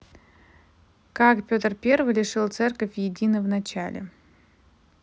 как петр первый лишил церковь едина вначале